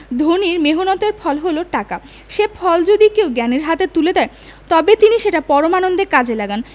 ধনীর মেহন্নতের ফল হল টাকা সে ফল যদি কেউ জ্ঞানীর হাতে তুলে দেয় তবে তিনি সেটা পরমানন্দে কাজে লাগান